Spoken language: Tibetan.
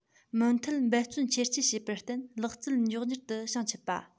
མུ མཐུད འབད བརྩོན ཆེ བསྐྱེད བྱས པར བརྟེན ལག རྩལ མགྱོགས མྱུར དུ བྱང ཆུབ པ